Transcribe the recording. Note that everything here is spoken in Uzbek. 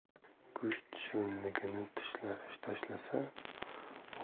go'sht shirinligini tashlasa